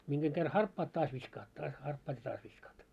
minkä kerran harppaat taas viskaat taas harppaat ja taas viskaat